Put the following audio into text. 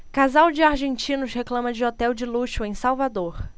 casal de argentinos reclama de hotel de luxo em salvador